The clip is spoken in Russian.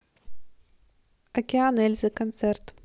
океан эльзы концерт